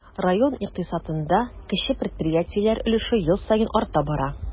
Район икътисадында кече предприятиеләр өлеше ел саен арта бара.